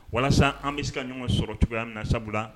Walasa an bɛ se ka ɲɔgɔn sɔrɔ cogoyaya na sabula